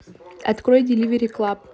открой делавери клаб